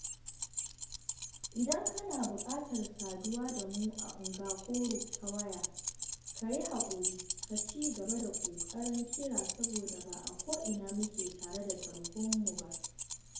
“Idan kana buƙatar saduwa da mu a Ngakoro ta waya, ka yi haƙuri, ka ci gaba da ƙoƙarin kira saboda ba a ko'ina muke tare da tarhonmu ba.